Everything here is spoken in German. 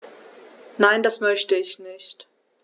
Nein, das möchte ich nicht.